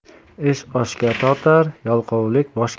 ish oshga tortar yalqovlik boshga